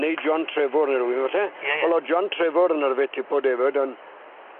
Neu John Trefor ne' rywun falle. Ie ie. Wel o' John Trefor yn arfer tipo defyd on'.